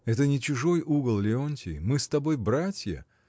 — Это не чужой угол, Леонтий: мы с тобой братья.